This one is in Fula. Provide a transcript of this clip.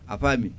a faami